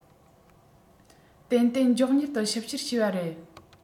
ཏན ཏན མགྱོགས མྱུར དུ ཞིབ བཤེར བྱས པ རེད